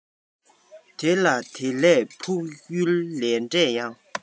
དེ ལ དེ ལས ཕུགས ཡུལ ལས འབྲས ཡང